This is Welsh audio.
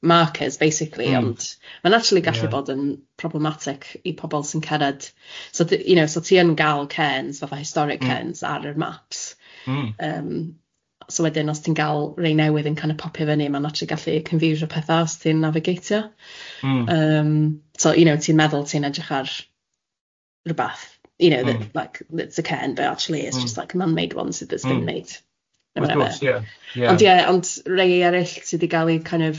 markers basically... Mm ie. ...ond ma'n actually gallu bod yn problematic i pobl sy'n cered so t- you know so ti yn ga'l cairns... Mm. ...fatha historic cairns ar yr maps... Mm. ...yym so wedyn os ti'n ga'l rei newydd yn kind of popio fyny ma'n actully gallu confusio petha os ti'n navigatio... Mm. ...yym so you know ti'n meddwl ti'n edrych ar rywbath... Mm you know that like that's a cairn but actually it's just like man-made ones... Mm. ...that there's been made... Wrth gwrs ie. ...ond ie ond rei eryll sydd wedi cal